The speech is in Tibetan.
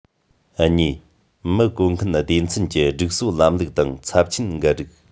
གཉིས མི བཀོལ མཁན སྡེ ཚན གྱི སྒྲིག སྲོལ ལམ ལུགས དང ཚབས ཆེན འགལ རིགས